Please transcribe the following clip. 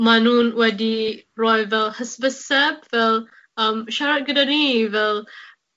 ma' nw'n wedi rhoi fel hysbyseb, fel, yym, siarad gyda ni, fel